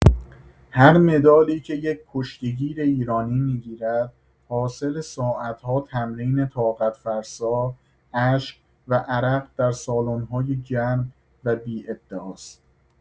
هر مدالی که یک کشتی‌گیر ایرانی می‌گیرد حاصل ساعت‌ها تمرین طاقت‌فرسا، اشک و عرق در سالن‌های گرم و بی‌ادعاست.